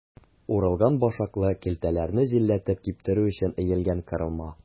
Урылган башаклы көлтәләрне җилләтеп киптерү өчен өелгән корылма.